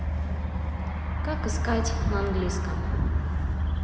как искать на английском